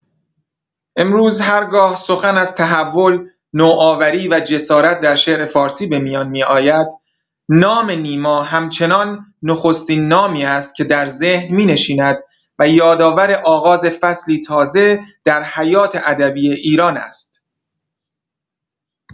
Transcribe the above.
امروز هرگاه سخن از تحول، نوآوری و جسارت در شعر فارسی به میان می‌آید، نام نیما همچنان نخستین نامی است که در ذهن می‌نشیند و یادآور آغاز فصلی تازه در حیات ادبی ایران است.